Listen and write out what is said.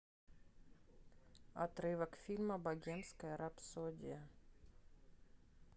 отрывок фильма богемская рапсодия